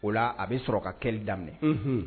O la a bɛ sɔrɔ ka kɛli daminɛ